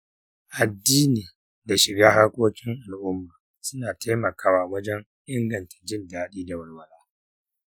addini da shiga harkokin al'umma suna taimakawa wajen inganta jin daɗi da walwala.